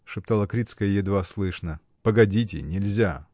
— шептала Крицкая едва слышно. — Погодите, нельзя!